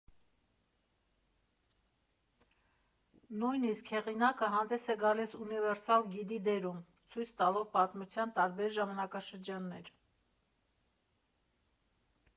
Նույնիսկ հեղինակը հանդես է գալիս ունիվերսալ գիդի դերում՝ ցույց տալով պատմության տարբեր ժամանակաշրջաններ։